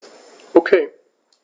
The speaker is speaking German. Okay.